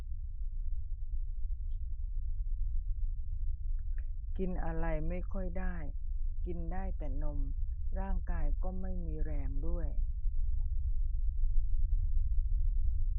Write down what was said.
กินอะไรไม่ค่อยได้กินได้แต่นมร่างกายก็ไม่มีแรงด้วย